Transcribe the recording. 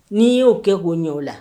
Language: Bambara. N'i y'o kɛ' ɲɛ o la